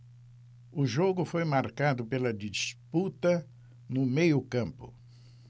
o jogo foi marcado pela disputa no meio campo